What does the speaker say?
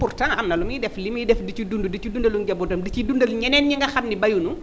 pourtant am na lu muy def li muy def di ci dund di ci dundalu njabotam di ci dundal ñeneen ñi nga xam ni bayuñu